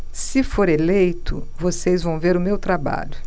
se for eleito vocês vão ver o meu trabalho